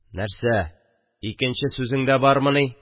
– нәрсә, икенче сүзең дә бармыни